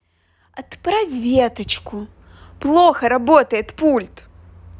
отправь весточку плохо работает пульт